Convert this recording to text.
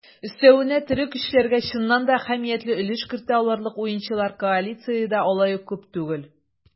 Өстәвенә, тере көчләргә чыннан да әһәмиятле өлеш кертә алырлык уенчылар коалициядә алай күп түгел.